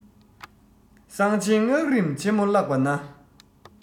གསང ཆེན སྔགས རིམ ཆེན མོ བཀླགས པ ན